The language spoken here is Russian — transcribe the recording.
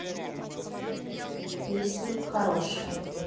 песни хорошие